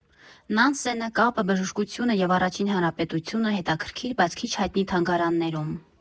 Նանսենը, կապը, բժշկությունը և Առաջին հանրապետությունը՝ հետաքրքիր, բայց քիչ հայտնի թանգարաններում։